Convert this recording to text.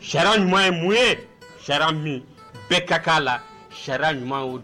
Sariya ɲuman ye mun ye? Sariya min bɛɛ ka kan la, sariya ɲuman y'o